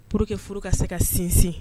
- Pour que - furu ka se ka sinsin